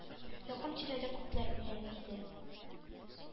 Якын-тирәдә күпләр белә иде.